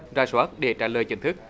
rà soát để trả lời chính thức